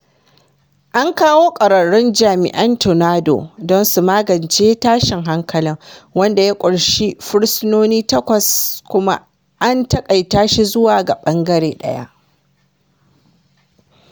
An kawo ƙwararrun jami’an "Tornado" don su magance tashin hankalin, wanda ya ƙunshi fursunoni takwas kuma an taƙaita shi zuwa ga ɓangare ɗaya.